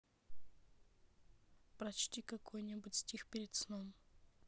прочти какой нибудь стих перед сном